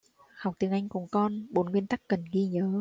học tiếng anh cùng con bốn nguyên tắc cần ghi nhớ